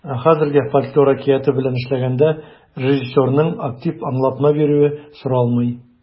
Ә хәзергә фольклор әкияте белән эшләгәндә режиссерның актив аңлатма бирүе соралмый.